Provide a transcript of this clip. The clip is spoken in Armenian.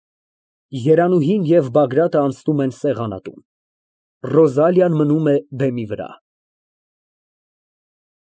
ԵՐԱՆՈՒՀԻՆ և ԲԱԳՐԱՏԸ Անցնում են սեղանատուն ՌՈԶԱԼԻԱՆ (Մնում է բեմի վրա)։